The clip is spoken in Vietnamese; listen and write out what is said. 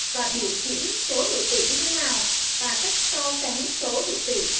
và biểu diễn số hữu tỉ thế nào và cách so sánh số hữu tỉ